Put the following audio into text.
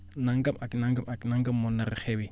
nangam ak nangam ak nangam moo nar a xewi